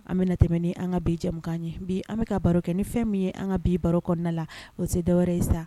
An bɛ na tɛmɛn ni an ka bi jɛkan ye bi an bɛka ka baro kɛ ni fɛn min ye an ka bi baro kɔnɔna la o se daɛrɛ ye sa